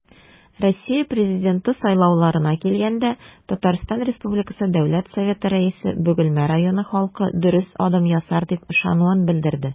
Россия Президенты сайлауларына килгәндә, ТР Дәүләт Советы Рәисе Бөгелмә районы халкы дөрес адым ясар дип ышануын белдерде.